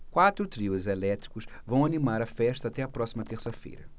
quatro trios elétricos vão animar a festa até a próxima terça-feira